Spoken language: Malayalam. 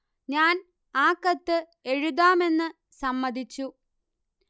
ഞാൻ ആ കത്ത് എഴുതാം എന്ന് സമ്മതിച്ചു